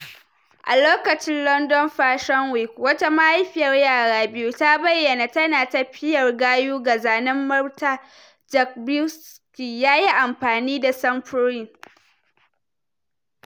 A lokacin London Fashion Week, wata mahaifiyar yara biyu ta bayyana tana tafiyar gayu ga zanen Marta Jakubowski yayin amfani da samfurin.